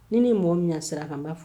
Ni ni mɔgɔ min sira k ka b' fɔ